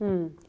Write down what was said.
ja.